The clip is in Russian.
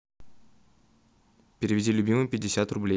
переведи любимой пятьдесят рублей